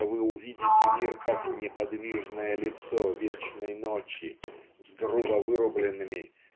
что вы увидите мир как "неподвижное лицо Вечной Ночи с грубо-вырубленными